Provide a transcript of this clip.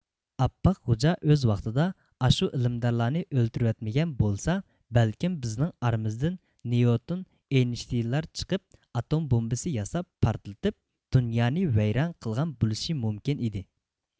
ئاپئاق غوجا ئۆز ۋاقتىدا ئاشۇ ئىلىمدارلارنى ئۆلتۈرىۋەتمىگەن بولسا بەلكىم بىزنىڭ ئارىمىزدىن نىيوتون ئېينىشتىيىنلار چىقىپ ئاتوم بومبىسى ياساپ پارتلىتىپ دۇنيانى ۋەيران قىلغان بولۇشى مۇمكىن ئىدى